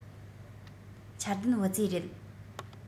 འཆར ལྡན བུ བཙའི རེད